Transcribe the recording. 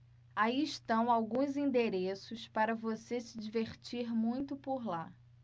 aí estão alguns endereços para você se divertir muito por lá